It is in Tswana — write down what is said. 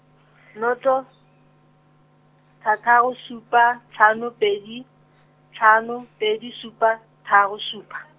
noto, thataro supa, tlhano pedi, tlhano, pedi supa, tharo supa.